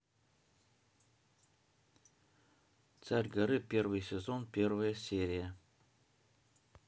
царь горы первый сезон первая серия